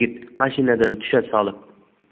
yigit mashinadan tusha solib